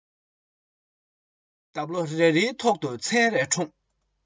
འདབ ལོ རེ རེའི ཐོག ཏུ མཚན རེ འཁྲུངས